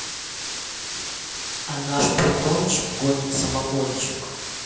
а наш притончик гонит самогончик